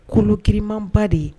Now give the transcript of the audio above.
Kolokimanba de ye